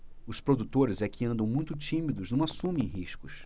os produtores é que andam muito tímidos não assumem riscos